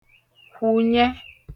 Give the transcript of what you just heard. kwụnyẹ